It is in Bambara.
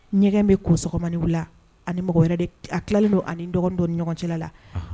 Ɲɛgɛn bɛ ko sɔgɔma la ani mɔgɔ wɛrɛ a tilali don ani dɔgɔnindɔ ni ɲɔgɔn cɛla la